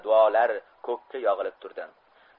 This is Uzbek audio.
duolar ko'kka yog'ilib turdi